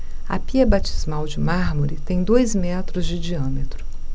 a pia batismal de mármore tem dois metros de diâmetro